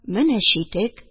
Менә читек